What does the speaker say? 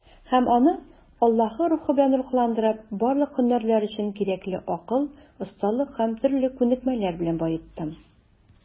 Һәм аны, Аллаһы Рухы белән рухландырып, барлык һөнәрләр өчен кирәкле акыл, осталык һәм төрле күнекмәләр белән баеттым.